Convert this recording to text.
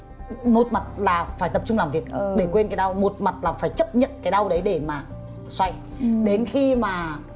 một mặt là phải tập trung làm việc để quên cái đau một mặt là phải chấp nhận cái đau đấy để mà xoay đến khi mà